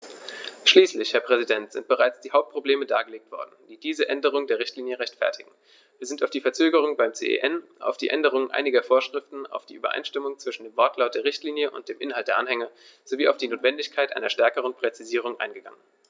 Schließlich, Herr Präsident, sind bereits die Hauptprobleme dargelegt worden, die diese Änderung der Richtlinie rechtfertigen, wir sind auf die Verzögerung beim CEN, auf die Änderung einiger Vorschriften, auf die Übereinstimmung zwischen dem Wortlaut der Richtlinie und dem Inhalt der Anhänge sowie auf die Notwendigkeit einer stärkeren Präzisierung eingegangen.